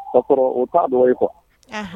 A kɔrɔ o k'a dɔgɔ kɔ